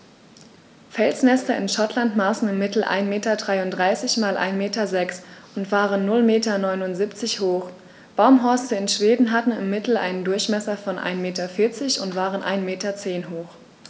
Felsnester in Schottland maßen im Mittel 1,33 m x 1,06 m und waren 0,79 m hoch, Baumhorste in Schweden hatten im Mittel einen Durchmesser von 1,4 m und waren 1,1 m hoch.